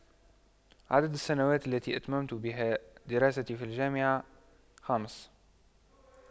عدد السنوات التي اتممت بها دراستي في الجامعة خمس